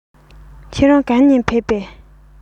ཁྱེད རང ག ནས ཕེབས པས